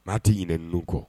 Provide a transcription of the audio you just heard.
Maa tɛ ɲinɛ ninnu kɔ